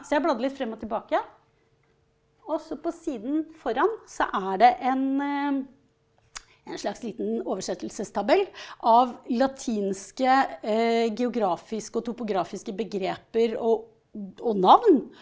så jeg bladde litt frem og tilbake også på siden foran så er det en en slags liten oversettelsestabell av latinske geografiske og topografiske begreper og og navn.